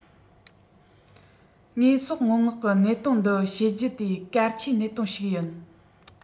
དངོས ཟོག སྔོན མངག གི གནད དོན འདི བྱེད རྒྱུ དེ གལ ཆེའི གནད དོན ཞིག ཡིན